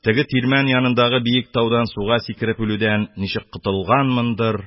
Теге тирмән янындагы биек таудан суга сикереп үлүдән ничек котылганмындыр,